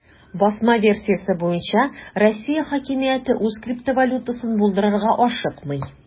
Басма версиясе буенча, Россия хакимияте үз криптовалютасын булдырырга ашыкмый.